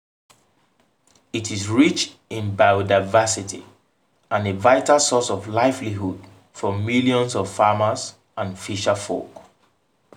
It is rich in biodiversity and a vital source of livelihood for millions of farmers and fisherfolk.